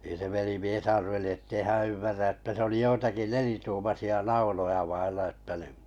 niin se velimies arveli että ei hän ymmärrä että se oli joitakin nelituumaisia nauloja vailla että niin